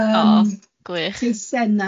Ymeising, o, gwych.